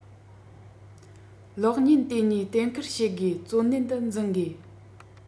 གློག བརྙན དེ གཉིས གཏན འཁེལ བྱེད དགོས གཙོ གནད དུ འཛིན དགོས